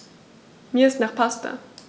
Mir ist nach Pasta.